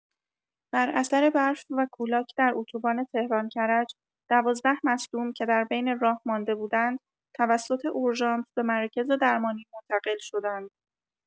بر اثر برف و کولاک در اتوبان تهران کرج ۱۲ مصدوم که در بین راه مانده بودند توسط اورژانس به مراکز درمانی منتقل شدند.